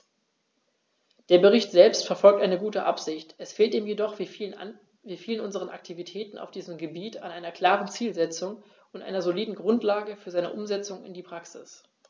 Der Bericht selbst verfolgt eine gute Absicht, es fehlt ihm jedoch wie vielen unserer Aktivitäten auf diesem Gebiet an einer klaren Zielsetzung und einer soliden Grundlage für seine Umsetzung in die Praxis.